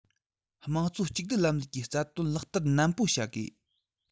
དམངས གཙོ གཅིག སྡུད ལམ ལུགས ཀྱི རྩ དོན ལག བསྟར ནན པོ བྱ དགོས